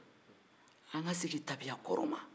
an ka segin tabiya kɔrɔ ma